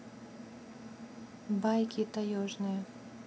байки таежные